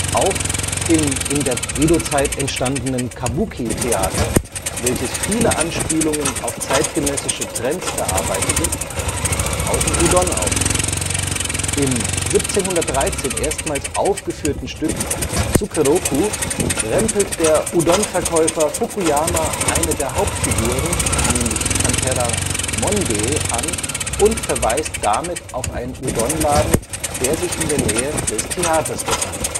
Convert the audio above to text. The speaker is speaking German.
Auch im in der Edo-Zeit entstandenen Kabuki-Theater, welches viele Anspielungen auf zeitgenössische Trends verarbeitete, tauchen Udon auf: Im 1713 erstmals aufgeführten Stück Sukeroku (助六) rempelt der Udon-Verkäufer Fukuyama eine der Hauptfiguren (Kanpera Monbee) an und verweist damit auf einen Udon-Laden, der sich in der Nähe des Theaters befand